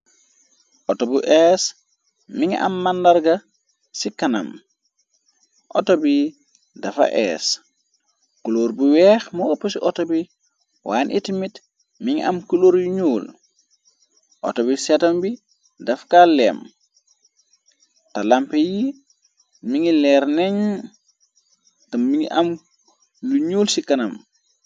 Auto bu ees mi ngi am màndarga ci kanam, auto bi dafa ees, kulóor bu weex moo ëpp ci auto bi, waane itamit mi ngi am kuloor yu ñuul, auto bi setam bi daf kaal leem, ta lampe yi mi ngi leer neñ, te mi ngi am lu ñuul ci kanam.